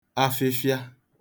afịfịa